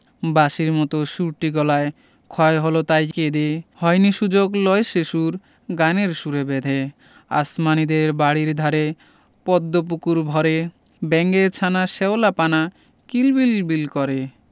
বাঁশির মতো সুরটি গলায় ক্ষয় হল তাই কেঁদে হয়নি সুযোগ লয় সেসুর গানের সুরে বেঁধে আসমানীদের বাড়ির ধারে পদ্ম পুকুর ভরে ব্যাঙের ছানা শ্যাওলাপানা কিলবিলবিল করে